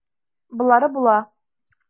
Болары була.